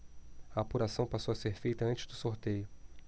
a apuração passou a ser feita antes do sorteio